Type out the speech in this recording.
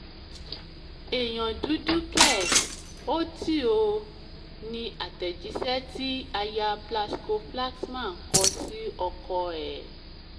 ”ÈÈYÀN DÚDÚ KẸ̀? ‘Ò TÍ OOOOOOOOOOOOOOOOO,” ni àtẹ̀jíṣẹ́ tí Aya Plasco-Flaxman kọ sí ọkọ ẹ̀.